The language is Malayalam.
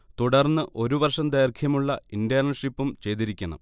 തുടർന്ന് ഒരു വർഷം ദൈർഘ്യമുള്ള ഇന്റേൺഷിപ്പും ചെയ്തിരിക്കണം